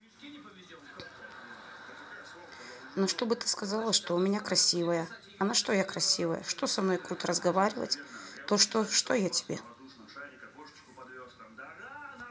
ну чтобы ты сказала что у меня красивая и на что я красивая что со мной круто разговаривать то что что я тебе